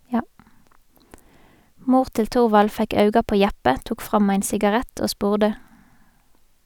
Mor til Torvald fekk auga på Jeppe, tok fram ein sigarett, og spurde: